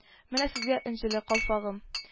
Менә сезгә энҗеле калфагым